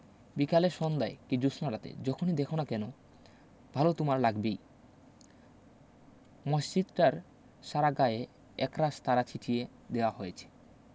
বিকালে সন্ধায় কি জুস্নারাতে যখনি দ্যাখো না কেন ভালো তুমার লাগবেই মসজিদটার সারা গায়ে একরাশ তারা ছিটিয়ে দেয়া হয়েছে